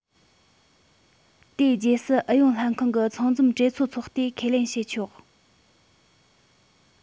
དེ རྗེས སུ ཨུ ཡོན ལྷན ཁང གི ཚང འཛོམས གྲོས ཚོགས འཚོག དུས ཁས ལེན བྱས ཆོག